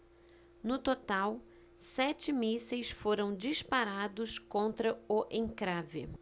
no total sete mísseis foram disparados contra o encrave